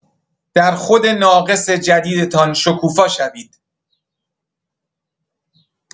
در خود ناقص جدیدتان شکوفا شوید.